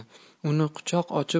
uni quchoq ochib